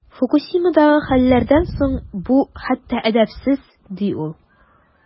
Фукусимадагы хәлләрдән соң бу хәтта әдәпсез, ди ул.